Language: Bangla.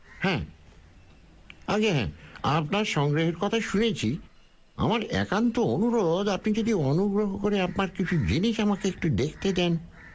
হ্যাঁ আজ্ঞে হ্যাঁ আপনার সংগ্রহের কথা শুনেছি আমার একান্ত অনুরোধ আপনি যদি অনুগ্রহ করে আপনার কিছু জিনিস আমাকে দেখতে দেন